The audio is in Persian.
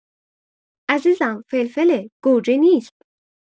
عزیزم فلفله گوجه نیس!